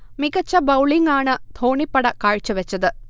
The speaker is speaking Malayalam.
മികച്ച ബൌളിംഗ് ആണ് ധോണിപ്പട കാഴ്ച വെച്ചത്